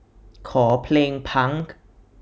ขอเพลงพังค์